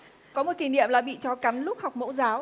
có một kỉ niệm là bị chó cắn lúc học mẫu giáo